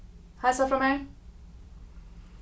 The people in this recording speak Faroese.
heilsa frá mær